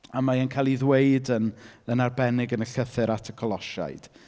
A mae e'n cal ei ddweud yn yn arbennig yn y llythyr at y Colosiaid.